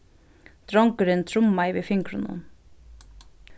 drongurin trummaði við fingrunum